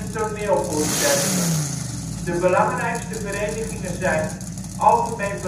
toneelvoorstellingen. De belangrijkste verenigingen zijn: Algemeen